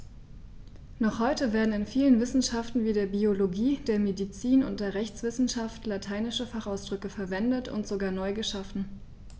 Noch heute werden in vielen Wissenschaften wie der Biologie, der Medizin und der Rechtswissenschaft lateinische Fachausdrücke verwendet und sogar neu geschaffen.